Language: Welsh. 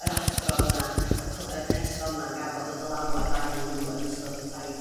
yr athro yna y y person 'na gafodd y dylanwad arnyn n'w yn ystod eu taith